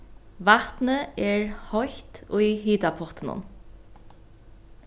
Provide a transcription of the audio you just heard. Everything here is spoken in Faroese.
vatnið er heitt í hitapottinum